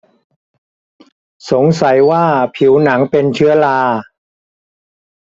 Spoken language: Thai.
สงสัยว่าผิวหนังเป็นเชื้อรา